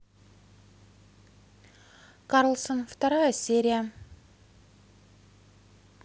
карлсон вторая серия